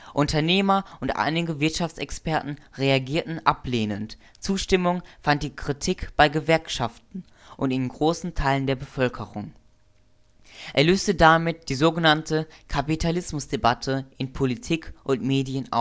Unternehmer und einige Wirtschaftsexperten reagierten ablehnend. Zustimmung fand die Kritik bei Gewerkschaften und in großen Teilen der Bevölkerung. Er löste damit die so genannte Kapitalismusdebatte in Politik und Medien